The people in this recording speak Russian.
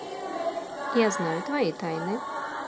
я знаю твои тайны